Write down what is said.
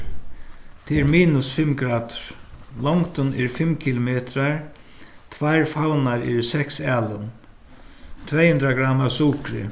tað eru minus fimm gradir longdin er fimm kilometrar tveir favnar eru seks alin tvey hundrað gramm av sukri